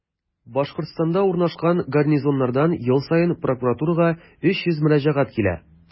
Башкортстанда урнашкан гарнизоннардан ел саен прокуратурага 300 мөрәҗәгать килә.